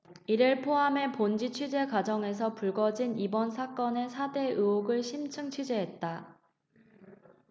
이를 포함해 본지 취재 과정에서 불거진 이번 사건의 사 대 의혹을 심층 취재했다